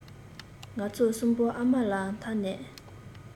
ང ཚོ གསུམ པོ ཨ མ ལ འཐམས ནས